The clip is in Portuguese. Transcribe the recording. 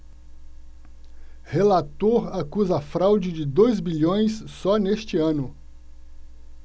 relator acusa fraude de dois bilhões só neste ano